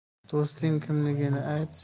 do'sting kimligini ayt